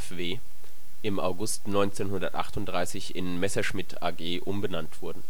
BFW) im August 1938 in Messerschmitt AG umbenannt wurden